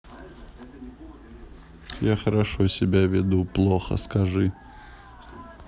я хорошо себя веду плохо скажи